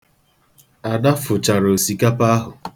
Ada fụchara osikapa ahụ.